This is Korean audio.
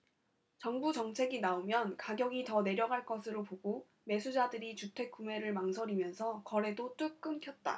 정부 정책이 나오면 가격이 더 내려갈 것으로 보고 매수자들이 주택 구매를 망설이면서 거래도 뚝 끊겼다